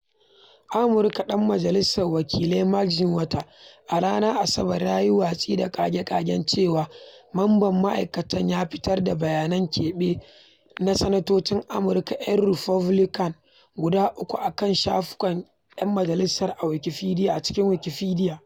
Amurka Ɗan Majalisar Wakilai Maxine Waters a ranar Asabar ya yi watsi da ƙage-ƙagen cewa wani mamban ma'aikatanta ya fitar da bayanin keɓe na sanatocin Amurka 'yan Republican guda uku a kan shafukan 'yan majalisar a cikin Wikipedia.